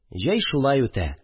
Җәй шулай үтә